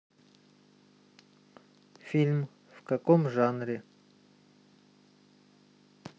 фильм в каком жанре